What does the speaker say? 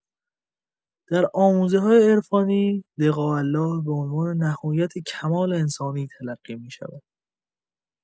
در آموزه‌های عرفانی، لقاء‌الله به عنوان نهایت کمال انسان تلقی می‌شود.